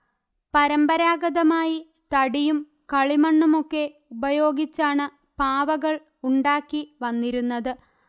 പരമ്പരാഗതമായി തടിയും കളിമണ്ണുമൊക്കെ ഉപയോഗിച്ചാണ് പാവകൾ ഉണ്ടാക്കി വന്നിരുന്നത്